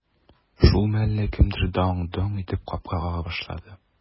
Шул мәлне кемдер даң-доң итеп капка кага башлады.